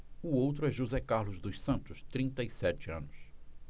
o outro é josé carlos dos santos trinta e sete anos